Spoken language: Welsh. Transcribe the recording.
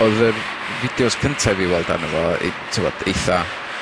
odd yr fideos cynta i fi weld arno fo i t'mod eitha